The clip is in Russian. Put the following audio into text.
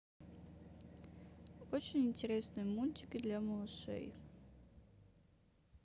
очень интересные мультики для малышей